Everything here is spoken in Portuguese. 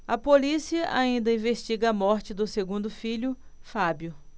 a polícia ainda investiga a morte do segundo filho fábio